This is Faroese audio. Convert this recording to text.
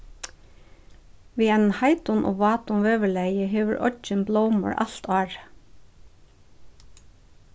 við einum heitum og vátum veðurlagi hevur oyggin blómur alt árið